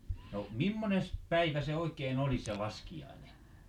no mimmoinen päivä se oikein oli se laskiainen